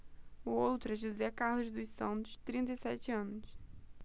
o outro é josé carlos dos santos trinta e sete anos